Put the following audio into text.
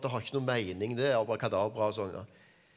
det har ikke noe mening det er abrakadabra og sånn ja.